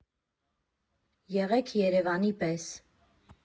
Եղեք Երևանի պես։